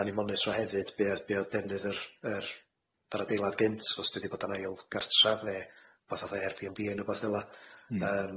'Da ni'n monitro hefyd be o'dd be o'dd defnydd yr yr yr adeilad gynt os dydi bod yn ail gartra ne' rwbath fatha Êr Bee En Bee ne' wbath fela.